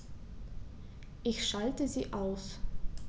Ich schalte sie aus.